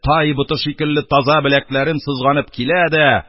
Тай боты шикелле таза беләкләрене сызганып килә дә,